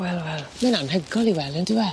Wel wel mae'n anhygoel i wel' yndyw e?